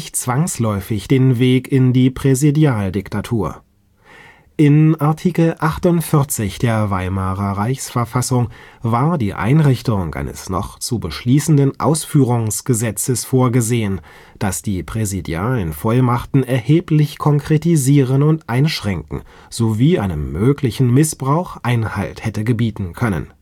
zwangsläufig den Weg in die Präsidialdiktatur: in Art. 48 WRV war die Einrichtung eines noch zu beschließenden Ausführungsgesetzes vorgesehen, das die präsidialen Vollmachten erheblich konkretisieren und einschränken sowie einem möglichen Missbrauch Einhalt hätte gebieten können